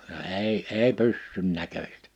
ja ei ei pyssyn näköistä